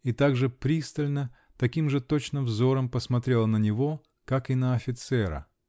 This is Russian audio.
и так же пристально, таким же точно взором посмотрела на него, как и на офицера.